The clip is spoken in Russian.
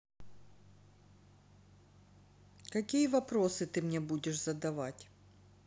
какие вопросы ты мне будешь задавать